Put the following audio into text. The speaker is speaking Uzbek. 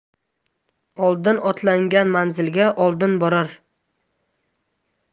oldin otlangan manzilga oldin borar